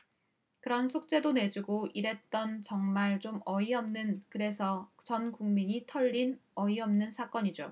그런 숙제도 내주고 이랬던 정말 좀 어이없는 그래서 전국민이 털린 어이없는 사건이죠